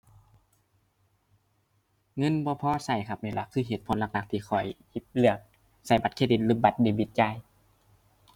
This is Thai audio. เงินบ่พอใช้ครับ นี่ล่ะคือเหตุผลหลักหลักที่ข้อยเลือกใช้บัตรเครดิต หรือบัตรเดบิตจ่าย